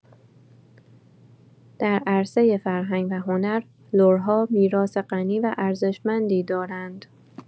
در عرصه فرهنگ و هنر، لرها میراث غنی و ارزشمندی دارند.